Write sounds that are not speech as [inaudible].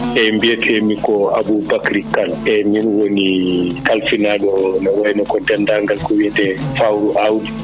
eeyi mbiyeteemi ko Aboucry Kane e min woni [hesitation] kalfinaaɗo no wayi no ko deendaangal ko wiyetee fawru aawdi